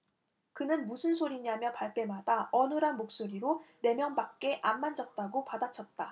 그는 무슨 소리냐며 발뺌하다 어눌한 목소리로 네 명밖에 안 만졌다고 받아쳤다